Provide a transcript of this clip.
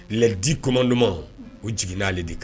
Lɛdikoman duman o jigin'ale de kan